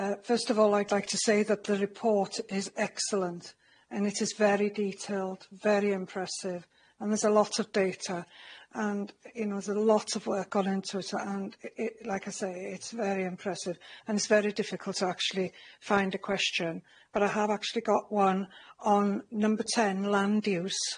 Yy first of all, I'd like to say that the report is excellent, and it is very detailed, very impressive, and there's a lot of data. And you know there's a lot of work gone into it and i- i- like I say, it's very impressive. And it's very difficult to actually find a question, but I have actually got one on number ten, land use.